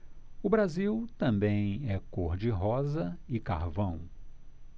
o brasil também é cor de rosa e carvão